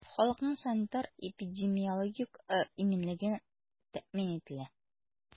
Халыкның санитар-эпидемиологик иминлеге тәэмин ителә.